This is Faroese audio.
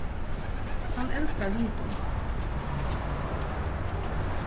hann elskar hundin